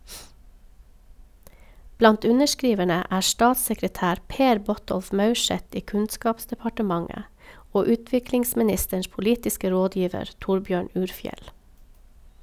Blant underskriverne er statssekretær Per Botolf Maurseth i Kunnskapsdepartementet og utviklingsministerens politiske rådgiver Torbjørn Urfjell.